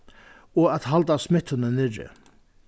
og at halda smittuni niðri